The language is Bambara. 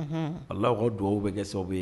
Alaaw dugawu bɛ kɛ sababu ye